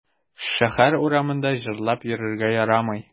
Шәһәр урамында җырлап йөрергә ярамый.